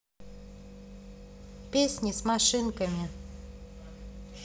песни с машинами